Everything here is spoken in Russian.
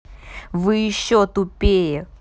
вы еще тупее